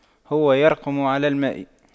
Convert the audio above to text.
هو يرقم على الماء